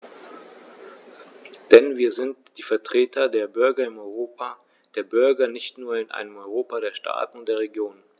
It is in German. Denn wir sind die Vertreter der Bürger im Europa der Bürger und nicht nur in einem Europa der Staaten und der Regionen.